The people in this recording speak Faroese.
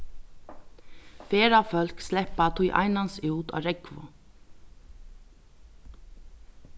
ferðafólk sleppa tí einans út á rógvu